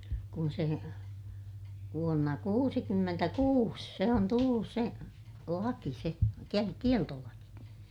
kun se vuonna kuusikymmentäkuusi se on tullut se laki se - kieltolaki